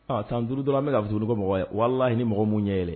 Aa san duuruuru dɔrɔn an bɛ ka dusuuru ko mɔgɔ walahi ni mɔgɔ mun ɲɛ yɛlɛ